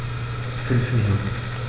5 Minuten